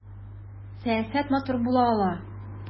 Сәясәт матур була ала!